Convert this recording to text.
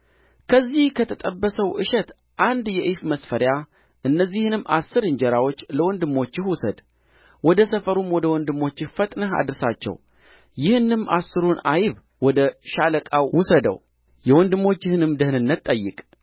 ከዚህ ከተጠበሰው እሸት አንድ የኢፍ መስፈሪያ እነዚህንም አሥር እንጀራዎች ለወንድሞችህ ውሰድ ወደ ሰፈሩም ወደ ወንድሞችህ ፈጥነህ አድርሳቸው ይህንም አሥሩን አይብ ወደ ሻለቃው ውሰደው የወንድሞችህንም ደኅንነት ጠይቅ